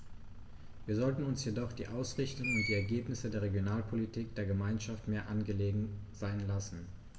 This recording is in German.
Wir sollten uns jedoch die Ausrichtung und die Ergebnisse der Regionalpolitik der Gemeinschaft mehr angelegen sein lassen.